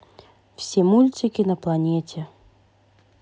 все мультики на планете